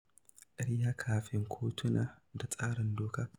Karya ƙarfin kotuna da tsarin doka